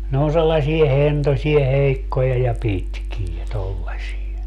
ne on sellaisia hentoisia heikkoja ja pitkiä tuollaisia